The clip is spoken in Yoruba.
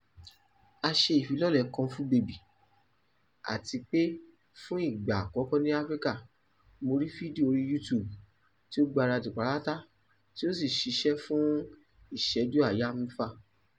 A ṣe ìfilọ́lẹ̀ Kung Fu baby àti pé fún ìgbà àkọ́kọ́ ní Africa, mo rí fídíò orí YouTube tí ó gbáradì pátápátá tí ó sì ṣisẹ́ fún ìṣẹ́jú àáyá 6.